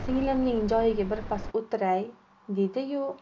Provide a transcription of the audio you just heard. singlimning joyida birpas o'tiray dediyu